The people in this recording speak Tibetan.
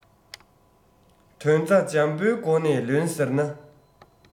དོན རྩ འཇམ པོའི སྒོ ནས ལོན ཟེར ན